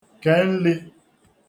kè nlī